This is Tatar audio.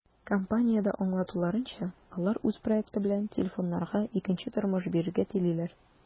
Компаниядә аңлатуларынча, алар үз проекты белән телефоннарга икенче тормыш бирергә телиләр.